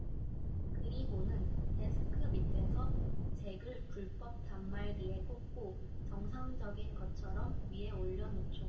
그리고는 데스크 밑에서 잭을 불법 단말기에 꽂고 정상적인 것처럼 위에 올려놓죠